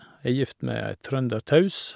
Er gift med ei trøndertaus.